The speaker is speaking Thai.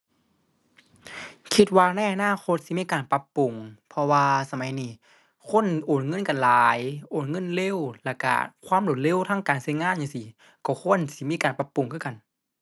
คิดว่าในอนาคตสิมีการปรับปรุง เพราะว่าสมัยนี้คนโอนเงินกันหลาย โอนเงินเร็ว แล้วก็ความรวดเร็วทางการก็งานจั่งซี้ ก็ควรสิมีการปรับปรุงคือกัน